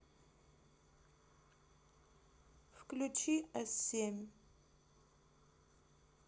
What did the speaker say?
включи с семь